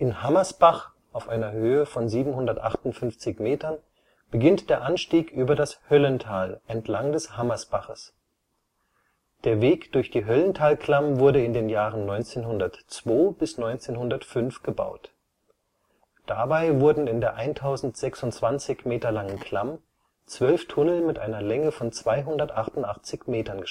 Hammersbach (758 m) beginnt der Anstieg über das Höllental, entlang des Hammersbaches. Der Weg durch die Höllentalklamm wurde in den Jahren 1902 bis 1905 gebaut. Dabei wurden in der 1026 m langen Klamm zwölf Tunnel mit einer Länge von 288 Metern